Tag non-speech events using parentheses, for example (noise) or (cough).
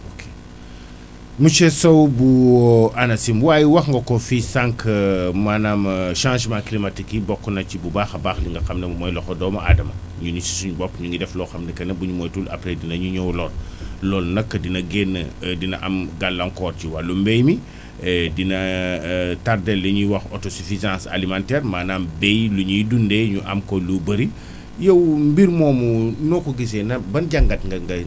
ok (breath) monsieur Sow bu (hesitation) ANACIM waaye wax nga ko fii sànq (hesitation) maanaam (hesitation) changement climatique yi bokk na ci bu baax a baax li nga xam ne moom mooy loxo doomu aadama (noise) ñun ñii si suñu bopp ñu ngi def loo xam ne que ne bu ñu moytuwul après dinañu ñëw lor (breath) loolu nag dina génn (hesitation) dina am gàllankoor ci wàllum mbéy mi (breath) (hesitation) dina (hesitation) tardé li ñuy wax autosuffisance alimentaire maanaam béy lu ñuy dundee ñu am ko lu bëri (breath) yow mbir moomu noo ko gisee na ban jàngat nga ngay